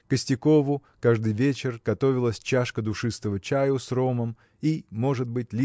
Костякову каждый вечер готовилась чашка душистого чаю с ромом – и может быть